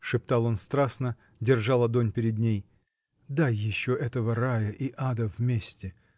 — шептал он страстно, держа ладонь перед ней, — дай еще этого рая и ада вместе!